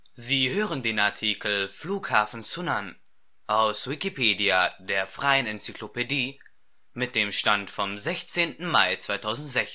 Sie hören den Artikel Flughafen Sunan, aus Wikipedia, der freien Enzyklopädie. Mit dem Stand vom Der